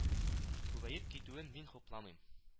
Күбәеп китүен мин хупламыйм